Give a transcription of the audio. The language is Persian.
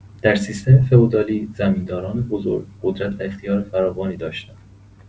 در سیستم فئودالی، زمین‌داران بزرگ قدرت و اختیار فراوانی داشتند.